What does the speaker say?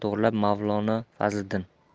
to'g'rilab mavlono fazliddin